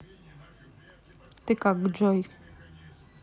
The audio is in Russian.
ты как джой